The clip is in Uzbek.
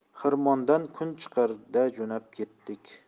xirmondan kun chiqarda jo'nab ketdik